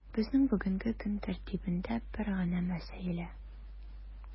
Безнең бүгенге көн тәртибендә бер генә мәсьәлә: